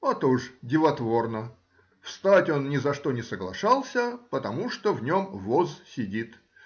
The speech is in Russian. А тоже дивотворно: встать он ни за что не соглашался, потому что в нем воз сидит